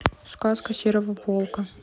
сказка серого волка